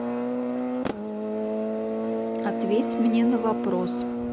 ответь мне на вопрос